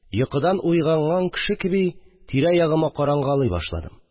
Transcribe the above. Йокыдан уйганган кеше кеби, тирә-ягыма карангалый башладым